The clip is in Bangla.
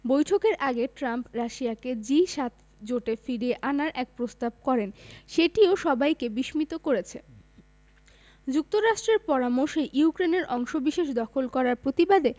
বৈঠকের আগে ট্রাম্প রাশিয়াকে জি ৭ জোটে ফিরিয়ে আনার এক প্রস্তাব করেন সেটিও সবাইকে বিস্মিত করেছে যুক্তরাষ্ট্রের পরামর্শেই ইউক্রেনের অংশবিশেষ দখল করার প্রতিবাদে